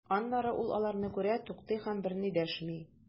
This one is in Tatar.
Аннары ул аларны күрә, туктый һәм берни дәшми.